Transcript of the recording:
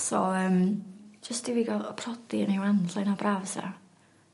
so yym jyst i fi ga'l yy prodi yn 'i ŵan 'lly ynna'n braf fysa.